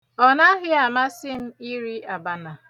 Ọ naghị amasị m iri abana.